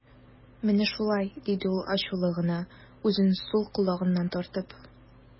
Менә шулай, - диде ул ачулы гына, үзен сул колагыннан тартып.